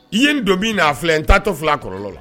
I ye n don min na a filɛ n taatɔ fil'a kɔlɔlɔ la